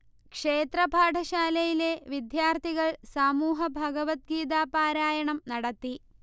ക്ഷേത്ര പാഠശാലയിലെ വിദ്യാർഥികൾ സമൂഹ ഭഗവദ്ഗീത പാരായണം നടത്തി